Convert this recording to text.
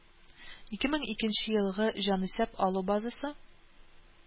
Ике мең икенче елгы җанисәп алу базасы